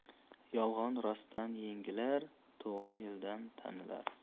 yolg'on rostdan yengilar to'g'ri elda tanilar